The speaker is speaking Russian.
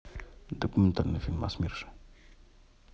документальные фильмы о смерше